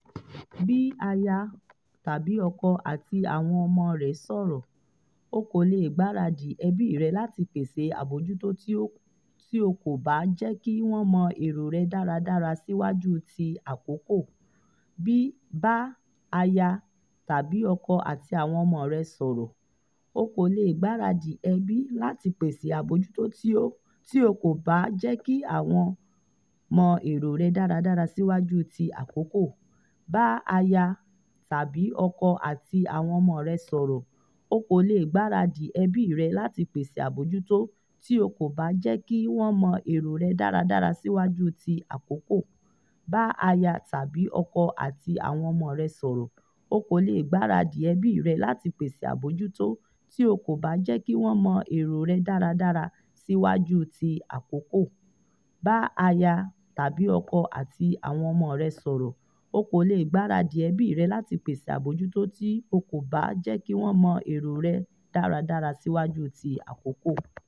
Bá aya/ọkọ àti àwọn ọmọ rẹ sọ̀rọ̀: O kò lè gbaradì ẹbí rẹ láti pèsè àbójútó tí o kò bá jẹ́ kí wọ́n mọ èrò rẹ dáradára síwájú tí àkókò.